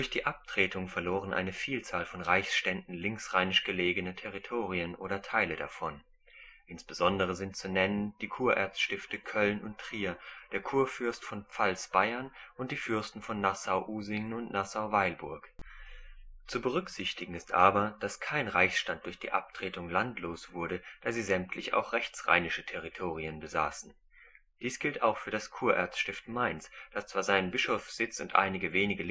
die Abtretung verloren eine Vielzahl von Reichsständen linksrheinisch gelegene Territorien oder Teile davon. Insbesondere sind zu nennen die Kurerzstifte Köln und Trier, der Kurfürst von Pfalz-Bayern und die Fürsten von Nassau-Usingen und Nassau-Weilburg. Zu berücksichtigen ist aber, dass kein Reichsstand durch die Abtretung „ landlos “wurde, da sie sämtlich auch rechtsrheinische Territorien besaßen. Dies gilt auch für das Kurerzstift Mainz, das zwar seinen Bischofssitz und einige wenige linksrheinische